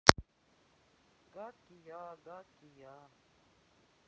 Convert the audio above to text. гадкий я гадкий я